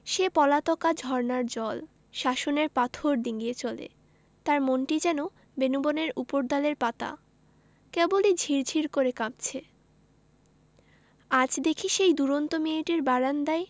সে পলাতকা ঝরনার জল শাসনের পাথর ডিঙ্গিয়ে চলে তার মনটি যেন বেনূবনের উপরডালের পাতা কেবলি ঝির ঝির করে কাঁপছে আজ দেখি সেই দূরন্ত মেয়েটি বারান্দায়